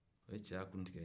o ye cɛya kun tigɛ